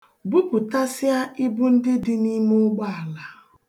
Bupụtasịa ibu ndị dị n'ime ụgbọala.